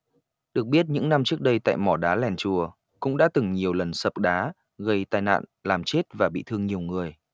được biết những năm trước đây tại mỏ đá lèn chùa cũng đã từng nhiều lần sập đá gây tai nạn làm chết và bị thương nhiều người